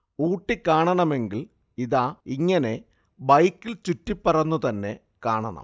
ഊട്ടി കാണണമെങ്കിൽ ഇതാ, ഇങ്ങിനെ ബൈക്കിൽ ചുറ്റിപ്പറന്നു തന്നെ കാണണം